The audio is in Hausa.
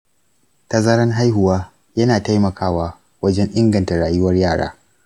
tazaran haihuwa yana taimakawa wajen inganta rayuwar yara.